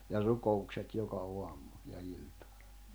ja rukoukset joka aamu ja ilta